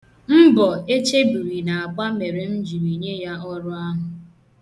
Mbọ Echebiri na-agba mere m jiri nye ya ọrụ ahụ.